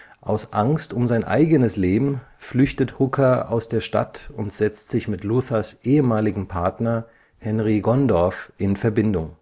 Aus Angst um sein eigenes Leben flüchtet Hooker aus der Stadt und setzt sich mit Luthers ehemaligem Partner Henry Gondorff in Verbindung